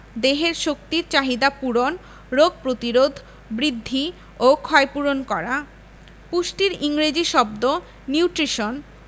দেহের শক্তির চাহিদা পূরণ রোগ প্রতিরোধ বৃদ্ধি ও ক্ষয়পূরণ করা পুষ্টির ইংরেজি শব্দ নিউট্রিশন